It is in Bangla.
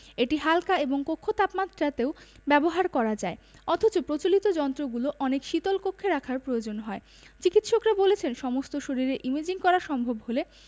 এটি হাল্কা এবং কক্ষ তাপমাত্রাতেও ব্যবহার করা যায় অথচ প্রচলিত যন্ত্রগুলো অনেক শীতল কক্ষে রাখার প্রয়োজন হয় চিকিত্সকরা বলছেন সমস্ত শরীরের ইমেজিং করা সম্ভব হলে